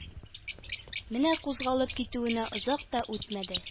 Менә кузгалып китүенә озак та үтмәде